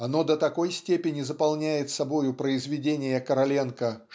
Оно до такой степени заполняет собою произведения Короленко